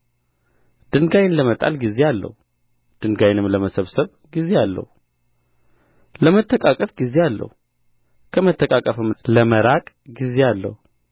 ድንጋይን ለመጣል ጊዜ አለው ድንጋይንም ለመሰብሰብ ጊዜ አለው ለመተቃቀፍ ጊዜ አለው ከመተቃቀፍም ለመራቅ ጊዜ አለው